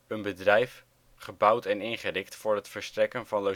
Een bedrijf, gebouwd en ingericht voor het verstrekken van